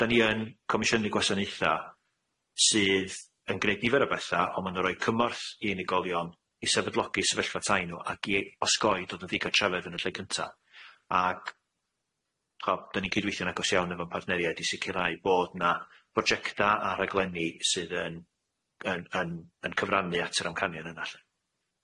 Da ni yn comisiynydd gwasanaetha sydd yn gneud nifer o betha on' ma' nw'n roi cymorth i unigolion i sefydlogi sefyllfa tai nw ag i osgoi dodd yn ddigartrefedd yn y lle cynta ag ch'o' dan ni'n cydweithio'n agos iawn efo partneriaid i sicirau bod na projecta a rhaglenni sydd yn yn yn yn cyfrannu at yr amcanion yna lly.